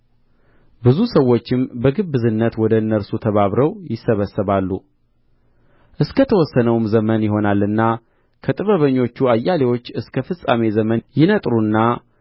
ብዙ ሰዎችም በግብዝነት ወደ እነርሱ ተባብረው ይሰበሰባሉ እስከ ተወሰነውም ዘመን ይሆናልና ከጥበበኞቹ አያሌዎቹ እስከ ፍጻሜ ዘመን ይነጥሩና